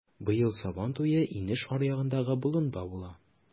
Быел Сабантуе инеш аръягындагы болында була.